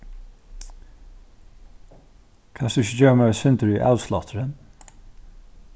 kanst tú ikki geva mær eitt sindur í avsláttri